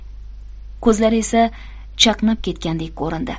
ko'zlari esa chaqnab ketgandek ko'rindi